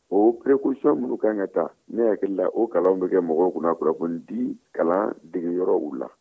o precautions minnu ka kan ka ta ne hakili la o kalan bɛ kɛ mɔgɔw kunna kunnafonidi kalan degeyɔrɔw la